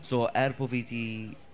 So er bod fi 'di...